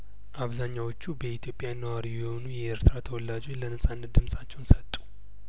አብዛኛዎቹ በኢትዮጵያ ነዋሪ የሆኑ የኤርትራ ተወላጆች ለነጻነት ድምጻቸውን ሰጡ